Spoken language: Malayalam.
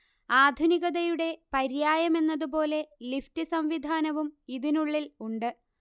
ആധുനികതയുടെ പര്യായം എന്നതുപോലെ ലിഫ്റ്റ് സംവിധാനവും ഇതിനുള്ളിൽ ഉണ്ട്